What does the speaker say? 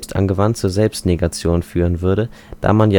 angewandt zur Selbstnegation führen würde, da man